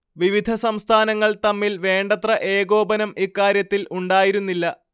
വിവിധ സംസ്ഥാനങ്ങൾ തമ്മിൽ വേണ്ടത്ര ഏകോപനം ഇക്കാര്യത്തിൽ ഉണ്ടായിരുന്നില്ല